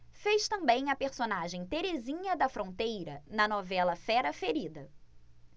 fez também a personagem terezinha da fronteira na novela fera ferida